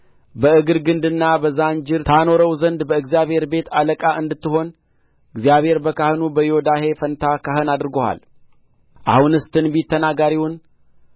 በእግር ግንድና በዛንጅር ታኖረው ዘንድ በእግዚአብሔር ቤት አለቃ እንድትሆን እግዚአብሔር በካህኑ በዮዳሄ ፋንታ ካህን አድርጎሃል አሁንስ ትንቢት ተናጋሪውን